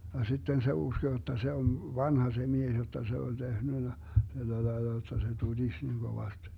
ja sitten se uskoi jotta se on vanha se mies jotta se oli tehnyt tällä lailla jotta se tutisi niin kovasti